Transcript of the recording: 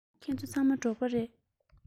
ཁྱེད ཚོ ཚང མ འབྲོག པ རེད